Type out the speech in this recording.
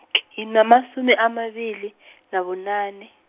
nginamasumi amabili, nabunane.